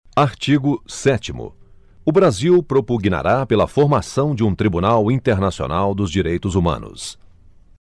artigo sétimo o brasil propugnará pela formação de um tribunal internacional dos direitos humanos